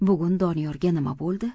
bugun doniyorga nima bo'ldi